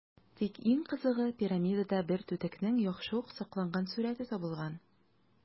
Тик иң кызыгы - пирамидада бер түтекнең яхшы ук сакланган сурəте табылган.